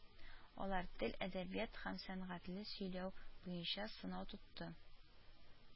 Алар тел, әдәбият һәм сәнгатьле сөйләү буенча сынау тотты